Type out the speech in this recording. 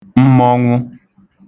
mmọnwụ